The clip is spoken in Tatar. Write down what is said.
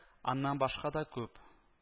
Аннан башка да күп